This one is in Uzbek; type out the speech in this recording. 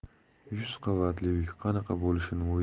yuz qavatli uy qanaqa bo'lishini